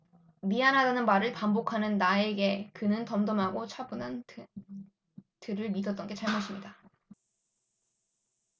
미안하다는 말을 반복하는 나에게 그는 덤덤하고 차분한 들을 믿었던 게 잘못입니다